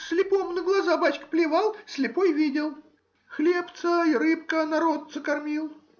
— Слепому на глаза, бачка, плевал,— слепой видел; хлебца и рыбка народца кормил.